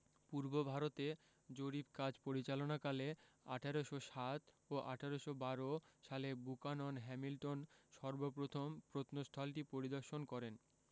পূর্বভারতে জরিপ কাজ পরিচালনাকালে ১৮০৭ ও ১৮১২ সালে বুকানন হ্যামিল্টন সর্ব প্রথম প্রত্নস্থলটি পরিদর্শন করেন